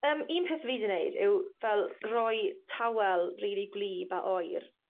Yym un peth fi 'di neud yw fel roi tywel rili gwlyb a oer